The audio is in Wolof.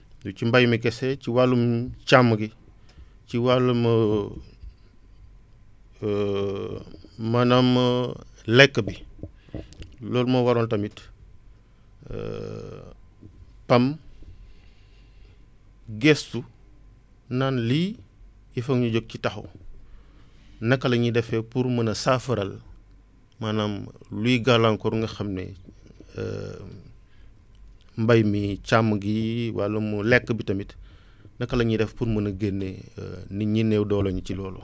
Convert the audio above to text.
ci mbay mi kese ci wàllum càmm gici wàllum maanaam lekk bi loolu moo waral tamit PAM gestu naan lii il foog ñu jóg ci taxaw naka la ñuy defee pour mën a saafaraal maanaam luy gàllankoor nga xam ne mbéy mi càmm gi wàllum lekk bi tamit naka la ñuy def pour mën a génnee nit ñi néew doole ñi ci loolu